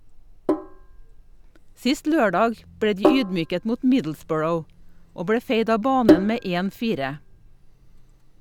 Sist lørdag ble de ydmyket mot Middlesbrough, og ble feid av banen med 1-4.